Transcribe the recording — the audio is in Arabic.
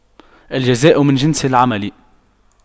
الجزاء من جنس العمل